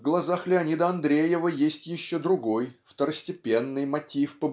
в глазах Леонида Андреева есть еще другой второстепенный мотив